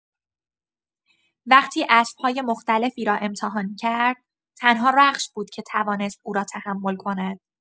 وقتی اسب‌های مختلفی را امتحان کرد، تنها رخش بود که توانست او را تحمل کند.